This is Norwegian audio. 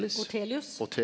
Ortelius.